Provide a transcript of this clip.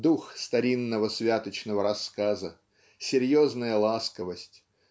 дух старинного святочного рассказа серьезная ласковость